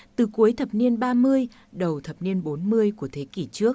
từ cuối thập niên ba mươi đầu thập niên bốn mươi của thế kỷ trước